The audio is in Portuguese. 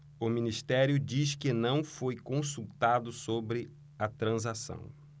o ministério diz que não foi consultado sobre a transação